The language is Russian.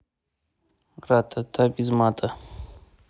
ратата без мата